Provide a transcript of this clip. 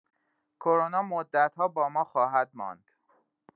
کرونا مدت‌ها با ما خواهد ماند.